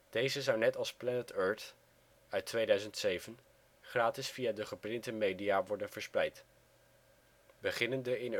Deze zou net als Planet Earth uit 2007 gratis via de geprinte media worden verspreid. Beginnende in